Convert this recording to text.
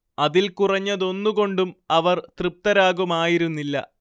അതിൽ കുറഞ്ഞതൊന്നുകൊണ്ടും അവർ തൃപ്തരാകുമായിരുന്നില്ല